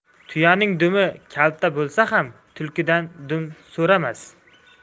tuyaning dumi kalta bo'lsa ham tulkidan dum so'ramas